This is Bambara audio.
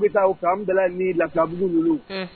bɛ taa u an labugu ninnu